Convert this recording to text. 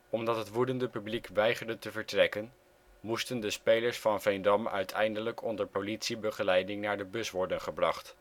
Omdat het woedende publiek weigerde te vertrekken, moesten de spelers van Veendam uiteindelijk onder politiebegeleiding naar de bus worden gebracht